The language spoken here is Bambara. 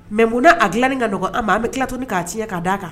Mɛ munnana a dilanni ka dɔgɔ an ma an bɛ tila to ni k'a tiɲɛ k' d'a kan